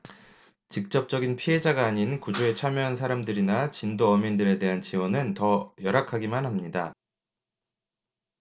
직접적인 피해자가 아닌 구조에 참여한 사람들이나 진도어민들에 대한 지원은 더 열악하기만 합니다